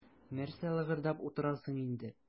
Нәрсә лыгырдап утырасың инде.